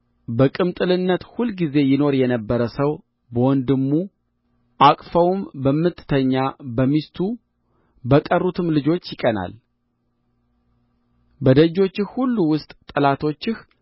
በቅምጥልነት ሁልጊዜ ይኖር የነበረ ሰው በወንድሙ አቅፋውም በምትተኛ በሚስቱ በቀሩትም ልጆች ይቀናል በደጆችህ ሁሉ ውስጥ ጠላቶችህ